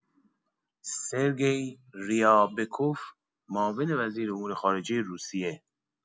سرگئی ریابکوف، معاون وزیر امور خارجه روسیه